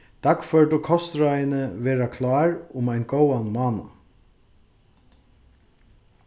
dagførdu kostráðini verða klár um ein góðan mánaða